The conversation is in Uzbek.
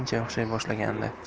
ancha o'xshay boshlagandi